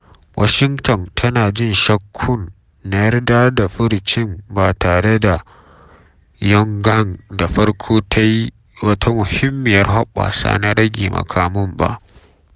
Washington tana jin shakkun na yarda da furucin ba tare da Pyongyang da farko ta yi wata muhimmiyar hoɓɓasa na rage makaman ba.